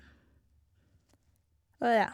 Og, ja.